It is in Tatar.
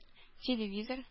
Телевизор